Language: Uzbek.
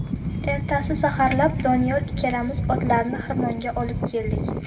ertasi saharlab doniyor ikkalamiz otlarni xirmonga olib keldik